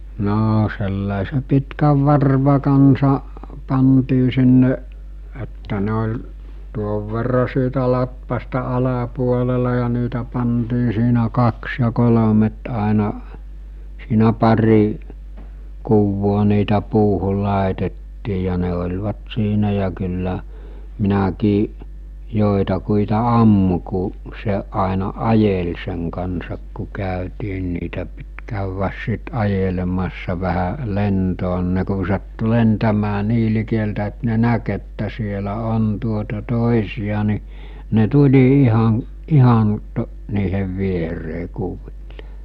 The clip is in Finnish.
no sellaisen pitkän varvun kanssa pantiin sinne että ne oli tuon verran siitä latvasta alapuolella ja niitä pantiin siinä kaksi ja kolmet aina siinä pari kuvaa niitä puuhun laitettiin ja ne olivat siinä ja kyllä minäkin joitakuita ammuin kun se aina ajeli sen kanssa kun käytiin niin niitä piti käydä sitten ajelemassa vähän lentoon niin ne kun sattui lentämään niin likeltä että ne näki että siellä on tuota toisia niin ne tuli ihan ihan - niiden viereen kuville